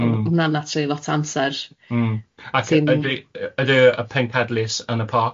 ...ma' hwnna'n actiyli lot o amser... M-hm. ...ac yy ti'n... Yndi ydi y pencadlys yn y parc?